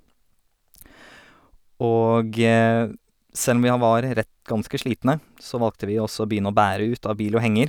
Og selv om vi ha var ret ganske slitne, så valgte vi å så begynne å bære ut av bil og henger.